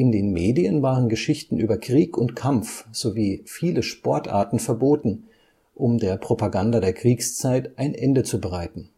den Medien waren Geschichten über Krieg und Kampf sowie viele Sportarten verboten, um der Propaganda der Kriegszeit ein Ende zu bereiten